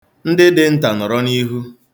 Ndị dị nta nọrọ n'ihu.